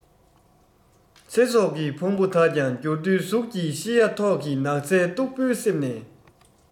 ཚེ སྲོག གི ཕུང པོ དག ཀྱང འགྱུར རྡོའི གཟུགས ཀྱིས ཤི ཡ ཐོག གི ནགས ཚལ སྟུག པོའི གསེབ ནས